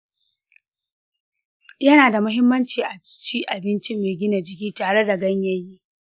yana da muhimmanci ace abinci mai gina jiki tare da ganyaye.